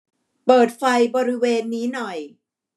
เปิดไฟบริเวณนี้หน่อย